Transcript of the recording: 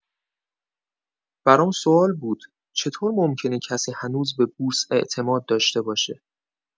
برام سوال بود، چطور ممکنه کسی هنوز به بورس اعتماد داشته باشه؟